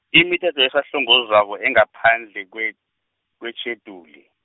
imithetho esahlongozwako engaphandle kwe- kwetjheduli.